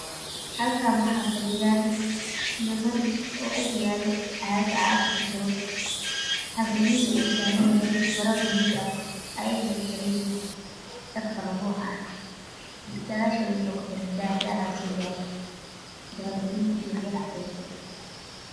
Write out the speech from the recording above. Halkaan wax fadhiyaan niman o ag yaalo cagag cafi ku jira caga halka miiska uu saran yahy maro baluug ah ayakane ay xeren yihiin dhar kala nooc ah gadashoadne wax ku xiran daah dagaaal u yahay dahab dahabi iyo wax yar cadees ah